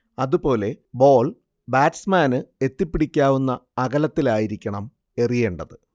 അതുപോലെ ബോൾ ബാറ്റ്സ്മാന് എത്തിപ്പിടിക്കാവുന്ന അകലത്തിലായിരിക്കണം എറിയേണ്ടത്